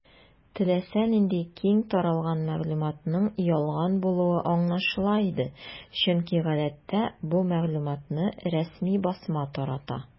Теләсә нинди киң таралган мәгълүматның ялган булуы аңлашыла иде, чөнки гадәттә бу мәгълүматны рәсми басма тарата.